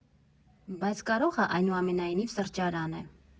Բայց կարո՞ղ ա այնուամենայնիվ սրճարան է։